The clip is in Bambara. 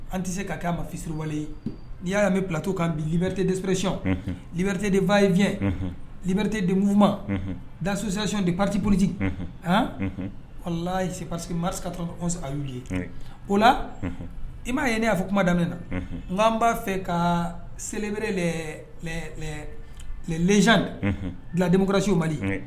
An tɛ se ka kɛa ma fisuuruwale n'i y'a ya mɛn pto kan bi brite depreyɔn librite defa yefy librite denmuma dasosireyɔn de patipuruti h walasi pasi mariskas a' ye o la i m'a ye ne y'a fɔ kuma da ne na n an b'a fɛ ka seb lz ladenkurarasiwmadi